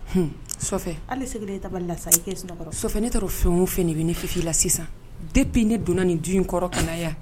H hali ne taara fɛn o fɛn i bɛ ne fi la sisan de bɛ ne donna nin du in kɔrɔ kɛlɛya